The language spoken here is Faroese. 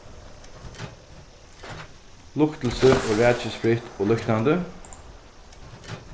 luktilsi og rakispritt og líknandi